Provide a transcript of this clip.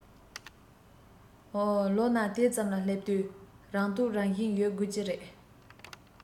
ལོ ན དེ ཙམ ལ སླེབས དུས རང རྟོགས རང བཞིན ཡོད དགོས ཀྱི རེད